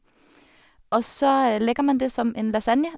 Og så legger man det som en lasagne.